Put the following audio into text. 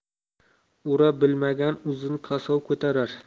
ura bilmagan uzun kosov ko'tarar